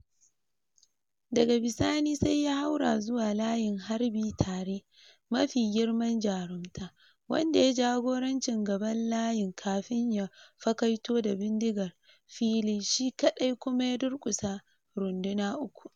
Maharbin ɓoye na ƙasar Jamus ne ya kashe Laftanar Kanar Vann a ranar 4 ga watan Oktobar 1918 - wata daya kawai kafin a gama yaƙin.